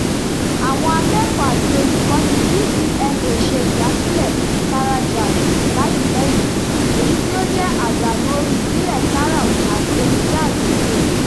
Àwọn akẹ́kọ̀ọ́ àti olùkọ́ni DCMA ṣe ìdásílẹ̀ẹ "TaraJazz" láì pẹ́ yìí, èyí tí ó jẹ́ àdàlù orin ìbílẹ̀ taarab àti orin Jazz òde òní.